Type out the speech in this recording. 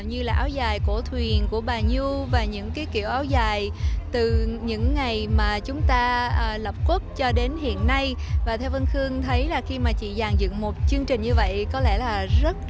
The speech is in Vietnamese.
như là áo dài cổ thuyền cổ bà nhu và những cái kiểu áo dài từ những ngày mà chúng ta lập quốc cho đến hiện nay và theo vân khương thấy là khi mà chị dàn dựng một chương trình như vậy có lẽ là rất